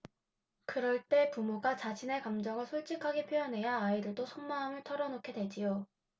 그럴 때 부모가 자신의 감정을 솔직하게 표현해야 아이들도 속마음을 털어 놓게 되지요